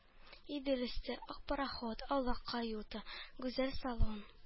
Идел өсте, ак пароход, аулак каюта, гүзәл салон